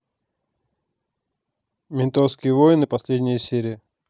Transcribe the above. ментовские войны последняя серия